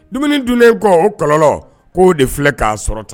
Dumuni dunnen kɔ o kɔlɔlɔ k'o de filɛ k'a sɔrɔ tan